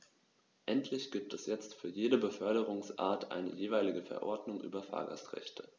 Endlich gibt es jetzt für jede Beförderungsart eine jeweilige Verordnung über Fahrgastrechte.